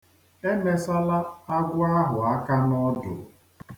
Emesala agwọ ahụ aka n'ọdụ.